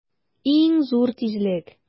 Иң зур тизлек!